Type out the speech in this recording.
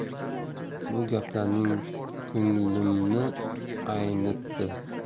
bu gaplaring ko'nglimni aynitdi